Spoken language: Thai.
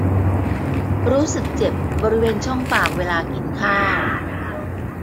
รู้สึกเจ็บบริเวณช่องปากเวลากินข้าว